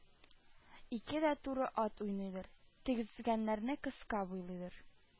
Ике дә туры ат уйныйдыр //Тезгеннәре кыска буйлыдыр